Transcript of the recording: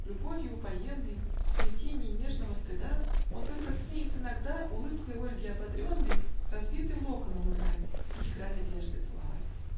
Любовью упоенный, В смятенье нежного стыда, Он только смеет иногда, Улыбкой Ольги ободренный, Развитым локоном играть Иль край одежды целовать.